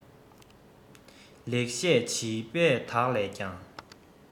ལེགས བཤད བྱིས པ དག ལས ཀྱང